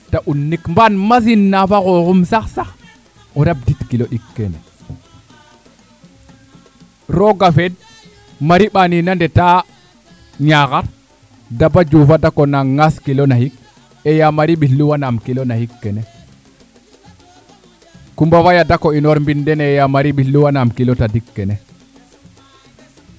te un nik mba machine na fo xoxum sax sax o rab dik kilo ɗik keen rooga feed Marie mbane in a ndeta Niakhar Daba Diouf a dako naan ngaas kilo naxik e Ya Marie ñisluwa naam kilo naxiq ke Coumba xay dako inoor mbin dene Ya Marie ɓislu wa naam kilo tadik kene